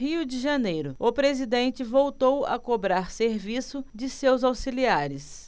rio de janeiro o presidente voltou a cobrar serviço de seus auxiliares